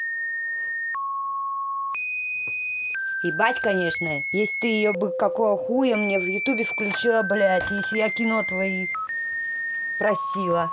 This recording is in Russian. ебать конечно есть ты ее бы какого хуя мне youtube включила блядь если я кино твои просила